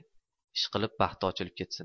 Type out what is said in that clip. ishqilib baxti ochilib ketsin